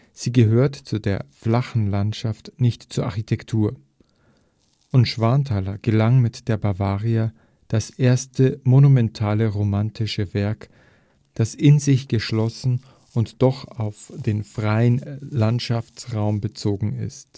Sie gehört zu der flachen Landschaft, nicht zur Architektur “und „ Schwanthaler gelang mit der › Bavaria ‹ das erste monumentale romantische Werk, das in sich geschlossen und doch auf den freien Landschaftsraum bezogen ist